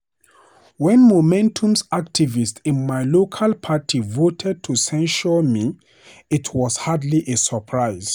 When Momentum's activists in my local party voted to censure me, it was hardly a surprise.